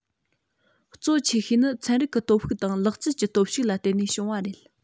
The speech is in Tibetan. གཙོ ཆེ ཤོས ནི ཚན རིག གི སྟོབས ཤུགས དང ལག རྩལ གྱི སྟོབས ཤུགས ལ བརྟེན ནས བྱུང བ རེད